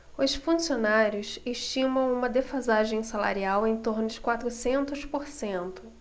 os funcionários estimam uma defasagem salarial em torno de quatrocentos por cento